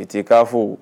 I t tɛi'a fo